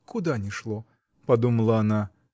куда ни шло!" -- подумала она.